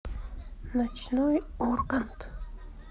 ночной ургант